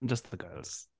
Just the girls.